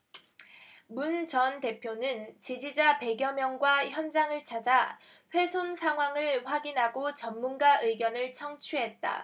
문 전 대표는 지지자 백 여명과 현장을 찾아 훼손 상황을 확인하고 전문가 의견을 청취했다